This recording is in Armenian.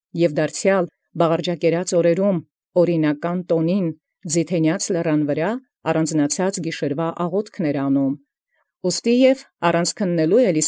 Եւ դարձեալ յաւուրս բաղարջակեացն յաւրինական տաւնին՝ զգիշերոյն աղաւթքն և ցայգոյ, ի Ձիթաստանեաց լերինն առանձինն մատուցանէր։